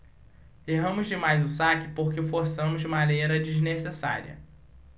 erramos demais o saque porque forçamos de maneira desnecessária